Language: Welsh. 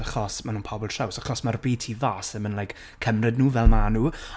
achos maen nhw'n pobol traws, achos mae'r byd tu fas ddim yn, like, cymryd nhw fel ma' nhw.